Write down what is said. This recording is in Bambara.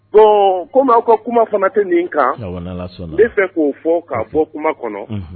Bon comme aw ka kuma fana tɛ nin kan awɔ n'Ala sɔnna n be fɛ k'o fɔ ka bɔ kuma kɔnɔ unhun